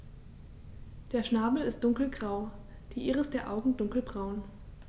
Der Schnabel ist dunkelgrau, die Iris der Augen dunkelbraun.